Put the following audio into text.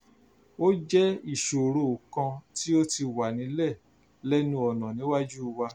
Ó jẹ́ ìṣòro kan tí ó ti wà níbẹ̀ lẹ́nu ọ̀nà níwájú wa.